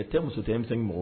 A tɛ muso cɛ n bɛ mɔgɔ